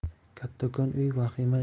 kattakon uy vahima